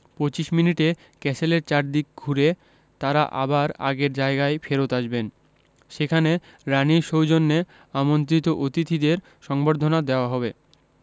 ২৫ মিনিটে ক্যাসেলের চারদিক ঘুরে তাঁরা আবার আগের জায়গায় ফেরত আসবেন সেখানে রানির সৌজন্যে আমন্ত্রিত অতিথিদের সংবর্ধনা দেওয়া হবে